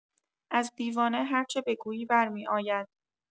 از دیوانه هر چه بگویی برمی‌آید!